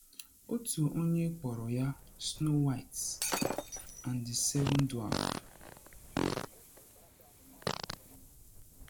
Otu onye kpọrọ ya “Snow White and the Seven Dwarfs.””